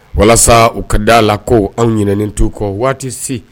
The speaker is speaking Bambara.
Walasa u ka d a la ko anwɛlɛnnen t'u kɔ waati si